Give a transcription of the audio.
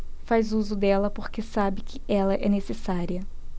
faz uso dela porque sabe que ela é necessária